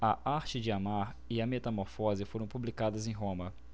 a arte de amar e a metamorfose foram publicadas em roma